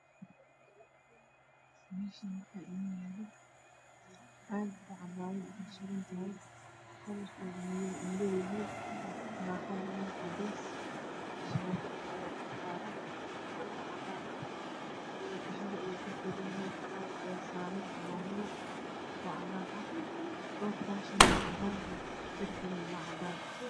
Meeshaan waxaa inoo yaala caag ay cabaayad suran tahay kalarkeedu madow yahay taraaxadu waa cadeys. Armaajo ayaa dhex yaalo kalar cadaan ah iyo dahabi ayuu ka kooban yahay falaawar ayaa saaran armaajada oo cagaar ah dhulka hoose waa cadaan darbiguna Waa cadaan.